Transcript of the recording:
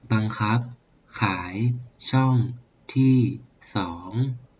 บังคับขายช่องที่สอง